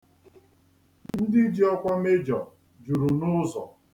Ndị ji ọkwa mejọ juru n'ụzọ.